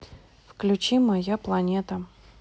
включи моя планета